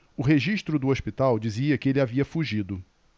o registro do hospital dizia que ele havia fugido